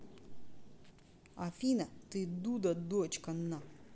афина ты дуда дочка на